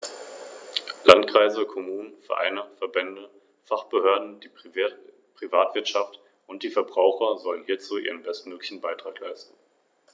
Nistplätze an Felsen liegen meist in Höhlungen oder unter Überhängen, Expositionen zur Hauptwindrichtung werden deutlich gemieden.